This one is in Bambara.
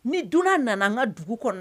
Ni donna nana n ka dugu kɔnɔ